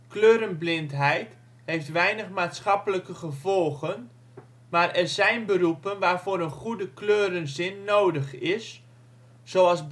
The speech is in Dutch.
Kleurenblindheid heeft weinig maatschappelijke gevolgen, maar er zijn beroepen waarvoor een goede kleurenzin nodig is, zoals